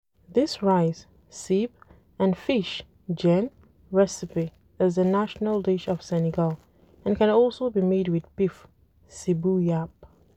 This rice (ceeb) and fish (jenn) recipe is the national dish of Senegal and can also be made with beef (ceebu yapp).